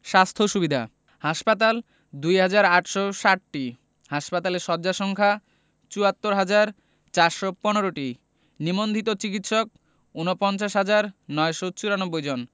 স্বাস্থ্য সুবিধাঃ হাসপাতাল ২হাজার ৮৬০টি হাসপাতালের শয্যা সংখ্যা ৭৪হাজার ৪১৫টি নিবন্ধিত চিকিৎসক ৪৯হাজার ৯৯৪ জন